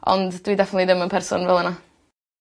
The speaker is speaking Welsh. Ond dwi definly ddim yn person fel yna.